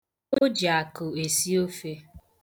O ji akụ esi ofe.